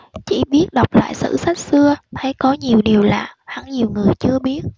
chỉ biết đọc lại sử sách xưa thấy có nhiều điều lạ hẳn nhiều người chưa biết